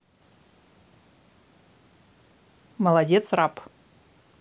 молодец раб